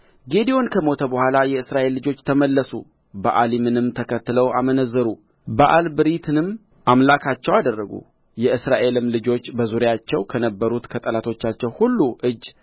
ጌዴዎን ከሞተ በኋላ የእስራኤል ልጆች ተመለሱ በኣሊምንም ተከትለው አመነዘሩ በኣልብሪትንም አምላካቸው አደረጉ የእስራኤልም ልጆች በዙሪያቸው ከነበሩት ከጠላቶቻቸው ሁሉ እጅ